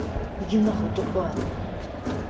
иди нахуй тупая